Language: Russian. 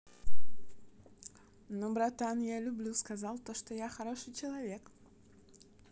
ну братан я люблю сказал то что я хороший человек